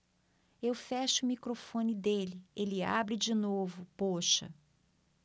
eu fecho o microfone dele ele abre de novo poxa